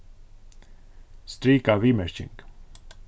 strika viðmerking